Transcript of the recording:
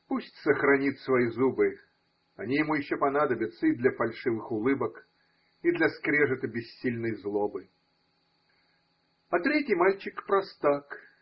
Пусть сохранит свои зубы, они ему еще понадобятся и для фальшивых улыбок, и для скрежета бессильной злобы. А третий мальчик – простак.